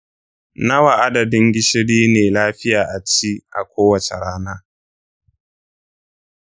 nawa adadadin gishiri ne lafiya a ci a kowace rana?